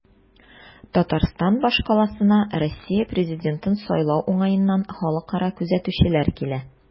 Татарстан башкаласына Россия президентын сайлау уңаеннан халыкара күзәтүчеләр килә.